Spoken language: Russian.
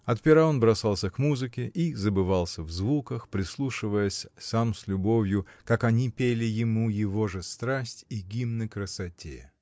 От пера он бросался к музыке и забывался в звуках, прислушиваясь сам с любовью, как они пели ему его же страсть и гимны красоте.